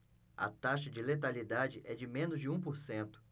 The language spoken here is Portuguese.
a taxa de letalidade é de menos de um por cento